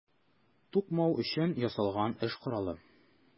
Тукмау өчен ясалган эш коралы.